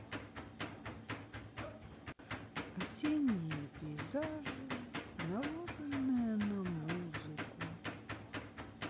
осенние пейзажи наложенные на музыку